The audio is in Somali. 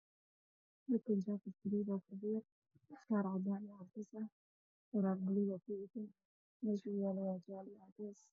Halkaan jaakad buluug ah ayaa yaalo iyo shaar cadeys ah waraaq buluug ah kudhagan meesha uu yaalana waa tawleed cadeys ah.